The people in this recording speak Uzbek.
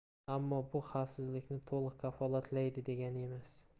ammo bu xavfsizlikni to'liq kafolatlaydi degani emas